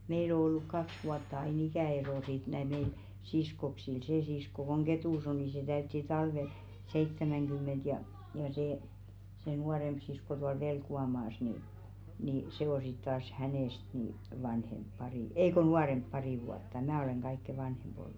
meillä on ollut kaksi vuotta aina ikäero sitten näillä meillä siskoksilla se sisko kun Ketussa on niin se täytti talvella seitsemänkymmentä ja ja se se nuorempi sisko tuolla Velkuanmaassa niin niin se on sitten taas hänestä niin vanhempi pari ei kun nuorempi pari vuotta minä olen kaikkein vanhin ollut